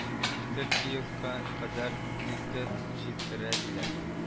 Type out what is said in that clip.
Тел киевка кадәр илтеп җиткерә диләр